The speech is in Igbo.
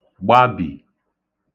gbabì